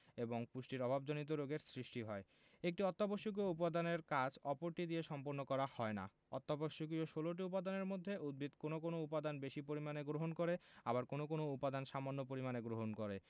এবং পুষ্টির অভাবজনিত রোগের সৃষ্টি হয় একটি অত্যাবশ্যকীয় উপাদানের কাজ অপরটি দিয়ে সম্পন্ন হয় না অত্যাবশ্যকীয় ১৬ টি উপাদানের মধ্যে উদ্ভিদ কোনো কোনো উপাদান বেশি পরিমাণে গ্রহণ করে আবার কোনো কোনো উপাদান সামান্য পরিমাণে গ্রহণ করে